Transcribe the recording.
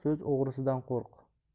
so'z o'g'risidan qo'rq